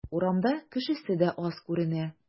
Урамда кешесе дә аз күренә.